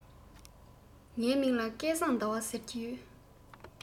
ངའི མིང ལ སྐལ བཟང ཟླ བ ཟེར གྱི ཡོད